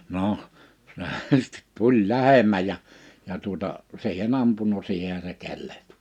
no se sitten tuli lähemmäs ja ja tuota siihen ampunut siihenhän se kellahti